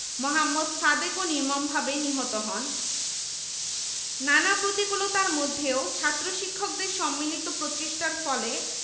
মোহাম্মদ সাদেকও নির্মমভাবে নিহত হন নানা প্রতিকূলতার মধ্যেও ছাত্র শিক্ষকদের সম্মিলিত প্রচেষ্টার ফলে